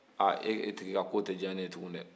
ah e tigi ka ko tɛ diya ne ye tugunni dɛ